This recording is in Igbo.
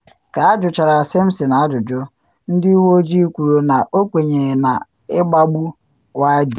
Ka ajụchara Simpson ajụjụ, ndị uwe ojii kwuru na ọ kwenyere na ịgbagbu Wayde.